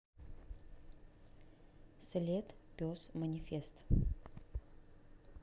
след пес манифест